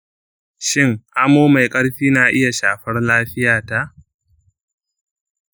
shin amo mai ƙarfi na iya shafar lafiyata?